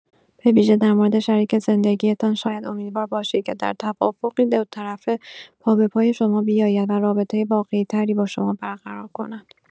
به‌ویژه درمورد شریک زندگی‌تان شاید امیدوار باشید که، در توافقی دوطرفه، پابه‌پای شما بیاید و رابطه واقعی‌تری با شما برقرار کند.